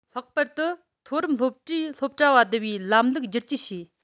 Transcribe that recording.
ལྷག པར དུ མཐོ རིམ སློབ གྲྭའི སློབ གྲྭ བ བསྡུ བའི ལམ ལུགས བསྒྱུར བཅོས བྱས